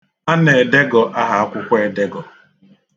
A na-edegọ aha akwụkwọ edegọ.